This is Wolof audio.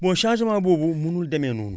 bon changement boobu mënulm demee noonu